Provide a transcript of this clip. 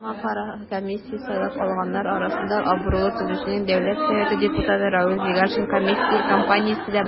Тармакара комиссия сайлап алганнар арасында абруйлы төзүченең, ТР Дәүләт Советы депутаты Равил Зиганшин компаниясе дә бар.